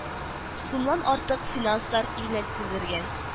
Сумнан артык финанслар юнәлдергән